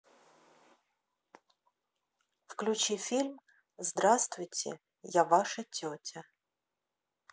включи фильм здравствуйте я ваша тетя